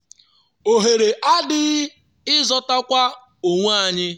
“Oghere adịghị ịzọtakwa onwe anyị.